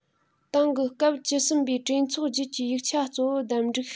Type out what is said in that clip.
ཏང གི སྐབས བཅུ གསུམ པའི གྲོས ཚོགས རྗེས ཀྱི ཡིག ཆ གཙོ བོ བདམས བསྒྲིགས